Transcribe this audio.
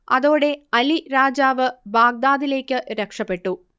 അതോടെ അലി രാജാവ് ബാഗ്ദാദിലേക്ക് രക്ഷപെട്ടു